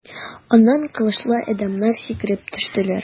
Аннан кылычлы адәмнәр сикереп төштеләр.